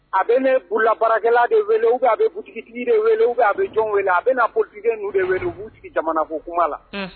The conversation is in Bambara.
A bɛ ne bolola baarakɛla de weele ou bien a bɛ boutique tigi de weele ou bien a bɛ jɔn weele a bɛna politicien ninnu de weele u b'u sigi jamana ko kuma la.